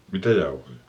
mitä jauhoja